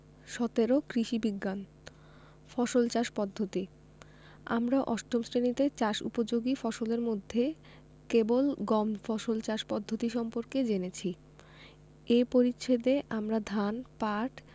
১৭ কৃষি বিজ্ঞান ফসল চাষ পদ্ধতি আমরা অষ্টম শ্রেণিতে চাষ উপযোগী ফসলের মধ্যে কেবল গম ফসল চাষ পদ্ধতি সম্পর্কে জেনেছি এ পরিচ্ছেদে আমরা ধান পাট